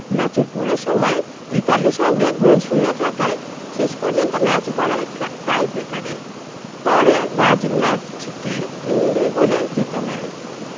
ম্যাচের পুরো সময় ইতালির সঙ্গে গোলশূন্য থাকায় শেষ পর্যন্ত ম্যাচ গড়ায় টাইব্রেকারে পরে ব্রাজিল ম্যাচটি ৩ ২ গোলে জিতে নেয়